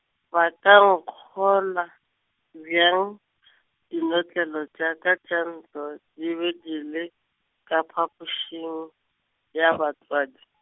ba ka nkgolwa, bjang, dinotlelo tša ka tša ntlo di be di le, ka phapošing, ya batswadi?